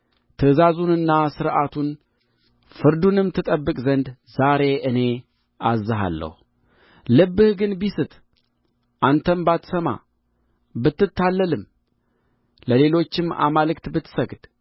ትእዛዙንና ሥርዓቱን ፍርዱንም ትጠብቅ ዘንድ ዛሬ እኔ አዝዝሃለሁ ልብህ ግን ቢስት አንተም ባትሰማ ብትታለልም ለሌሎችም አማልክት ብትሰግድ